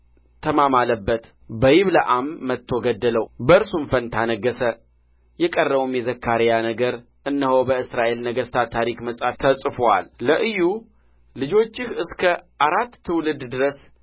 ተማማለበት በይብልዓም መትቶ ገደለው በእርሱም ፋንታ ነገሠ የቀረውም የዘካርያ ነገር እነሆ በእስራኤል ነገሥታት ታሪክ መጽሐፍ ተጽፎአል ለኢዩ ልጆችህ እስከ አራት ትውልድ ድረስ